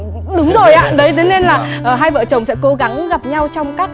đúng rồi ạ đấy thế nên là hai vợ chồng sẽ cố gắng gặp nhau trong các